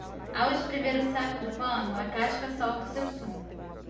ao espremer o saco de pano a casca solta seu sumo